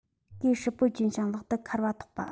གོས ཧྲུལ པོ གྱོན ཞིང ལག ཏུ འཁར བ ཐོགས པ